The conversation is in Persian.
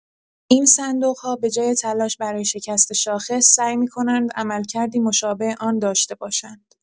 این صندوق‌ها به‌جای تلاش برای شکست شاخص، سعی می‌کنند عملکردی مشابه آن داشته باشند.